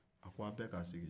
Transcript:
aw bɛɛ k'aw sigi